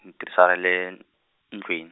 ni tirhisa ra le n-, ndlwini.